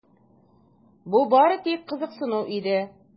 Бу бары тик кызыксыну иде.